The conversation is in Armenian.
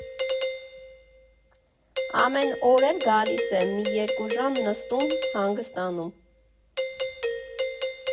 Ամեն օր էլ գալիս եմ, մի երկու ժամ նստում, հանգստանում։